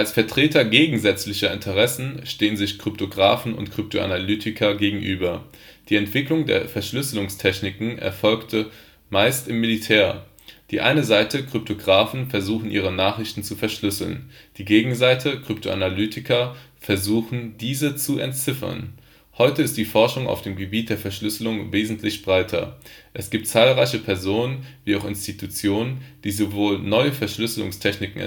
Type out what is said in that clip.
Vertreter gegensätzlicher Interessen stehen sich Kryptographen und Kryptoanalytiker gegenüber. Die Entwicklung der Verschlüsselungstechniken erfolgte meist im Militär. Die eine Seite (Kryptographen) versuchte ihre Nachrichten zu verschlüsseln – die Gegenseite (Kryptoanalytiker) versuchte, diese zu entziffern. Heute ist die Forschung auf dem Gebiet der Verschlüsselung wesentlich breiter. Es gibt zahlreiche Personen wie auch Institutionen, die sowohl neue Verschlüsselungstechniken